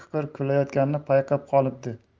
qiqir kulayotganini payqab qolibdi